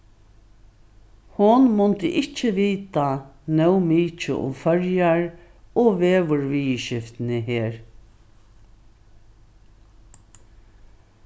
hon mundi ikki vita nóg mikið um føroyar og veðurviðurskiftini her